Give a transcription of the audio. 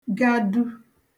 gadu